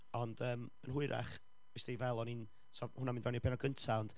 Ond ymm yn hwyrach wsti, fel o'n i'n... so hwnna'n mynd fewn i pennod gyntaf, ond